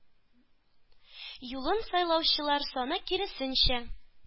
Юлын сайлаучылар саны, киресенчә,